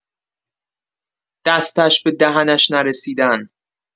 دستش به دهنش نرسیدن